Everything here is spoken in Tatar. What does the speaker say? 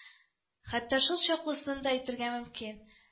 Хәтта шулчаклысын да әйтергә мөмкин: